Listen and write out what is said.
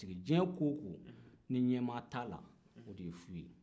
diɲɛ k'o ko ni ɲɛmaa t'a la o de ye fu ye